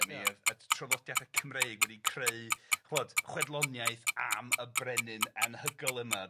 a mi o'dd y t- traddodiada Cymreig wedi creu chimod, chwedloniaeth am y brenin anhygoel yma